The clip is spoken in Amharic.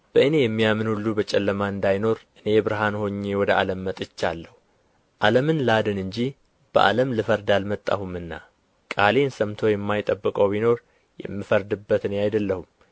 በእኔ የሚያምን ሁሉ በጨለማ እንዳይኖር እኔ ብርሃን ሆኜ ወደ ዓለም መጥቻለሁ ዓለምን ላድን እንጂ በዓለም ልፈርድ አልመጣሁምና ቃሌን ሰምቶ የማይጠብቀው ቢኖር የምፈርድበት እኔ አይደለሁም